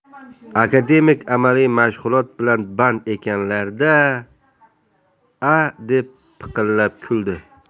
akademik amaliy mashg'ulot bilan band ekanlar da a deb piqillab kuldi